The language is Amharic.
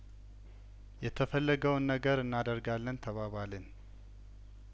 የተፈለገውን ነገር እናደርጋለን ተባባልን